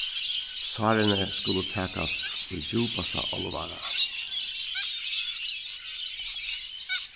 sárini skulu takast í djúpasta álvara